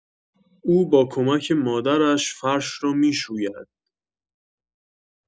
او با کمک مادرش فرش را می‌شوید